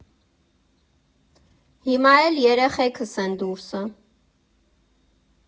Հիմա էլ էրեխեքս են դուրսը։